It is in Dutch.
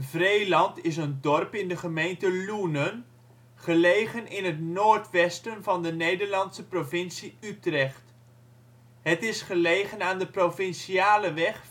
Vreeland is een dorp in de gemeente Loenen, gelegen in het noordwesten van de Nederlandse provincie Utrecht. Het is gelegen aan de provinciale weg